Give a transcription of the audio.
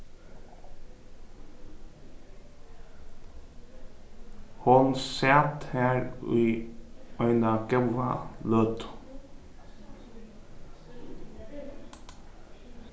hon sat har í eina góða løtu